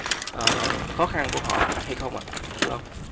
ờ khó khăn của họ hay không ạ thưa ông